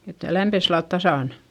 että lämpesi sillä lailla tasan